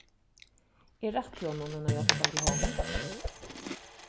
eg rætti honum eina hjálpandi hond